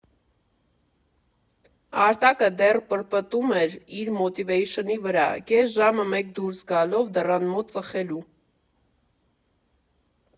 Արտակը դեռ պրպտում էր իր մոթիվեյշնի վրա՝ կես ժամը մեկ դուրս գալով դռան մոտ ծխելու։